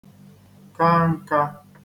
-ka n̄kā